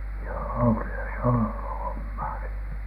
joo kyllä se on ollut hommaa se